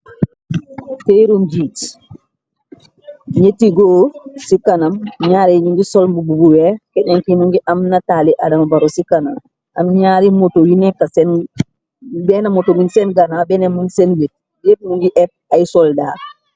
Terum nget ñyëti nit goor ci kanam ñaare ñi ngi sol bu buweex kennenkinu ngi am nataali adama baro ci kanam am ñaari moto yu nekk benn moto miñ seen gana seen bét deer mu ngi épp ay soldar.